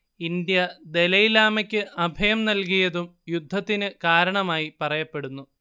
India ദലൈലാമക്ക് അഭയം നൽകിയതും യുദ്ധത്തിന് കാരണമായി പറയപ്പെടുന്നു